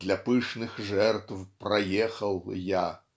"Для пышных жертв проехал я"